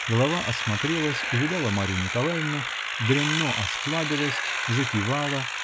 Голова осмотрелась, увидела Марью Николаевну, дрянно осклабилась, закивала.